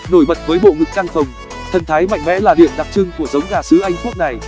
nổi bật với bộ ngực căng phồng thần thái mạnh mẽ là điểm đặc trưng của giống gà xứ anh quốc này